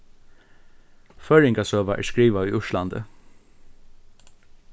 føroyingasøga er skrivað í íslandi